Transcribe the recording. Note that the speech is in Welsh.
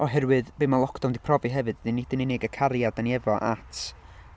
Oherwydd, be mae lockdown 'di profi hefyd 'di nid yn unig y cariad dan ni efo at...